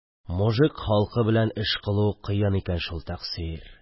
– мужик халкы белән эш кылу кыен икән шул, тәкъсир!